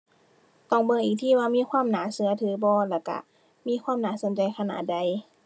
ต้องเบิ่งอีกทีว่ามีความน่าเชื่อถือบ่แล้วเชื่อ มีความน่าสนใจขนาดใด